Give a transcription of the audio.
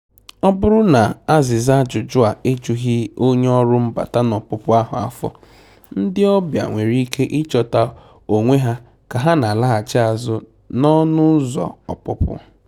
Ọ bụrụ na azịza ajụjụ a ejughị onye ọrụ mbata na ọpụpụ ahụ afọ, ndị ọbịa nwere ike ịchọta onwe ha ka a na-alaghachị azụ n'ọnụ ụzọ ọpụpụ.